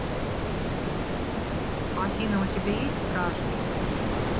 афина у тебя есть стражник